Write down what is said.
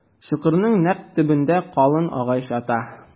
Чокырның нәкъ төбендә калын агач ята.